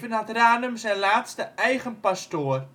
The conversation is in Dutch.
had Ranum zijn laatste eigen pastoor